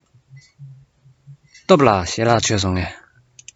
སྟོབས ལགས ཞལ ལག མཆོད སོང ངས